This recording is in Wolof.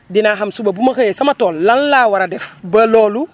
dinaa xam suba bu ma xëyee sama tool lan laa war a def ba loolu